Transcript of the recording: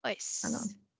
Oes.